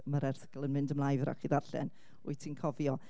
Mae'r erthgyl yn mynd ymlaen fydd rhaid chi ddarllen, wyt ti'n cofio.